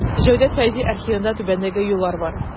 Җәүдәт Фәйзи архивында түбәндәге юллар бар.